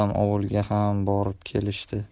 ovulga ham borib kelishdi